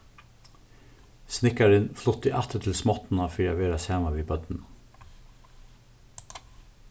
snikkarin flutti aftur til smáttuna fyri at vera saman við børnunum